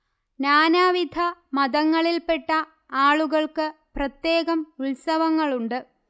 നാനാവിധ മതങ്ങളില്പെട്ട ആളുകൾക്ക് പ്രത്യേകം ഉത്സവങ്ങളുണ്ട്